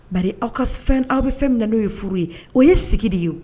Ba aw ka fɛn aw bɛ fɛn minɛ na n'o ye furu ye o ye sigi de ye